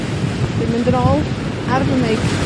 Dwi'n mynd yn ôl ar fy meic,